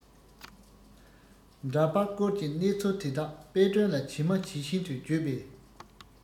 འདྲ པར བསྐོར གྱི གནས ཚུལ དེ དག དཔལ སྒྲོན ལ ཇི མ ཇི བཞིན དུ བརྗོད པས